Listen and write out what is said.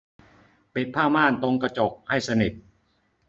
ปิดผ้าม่านตรงกระจกให้สนิท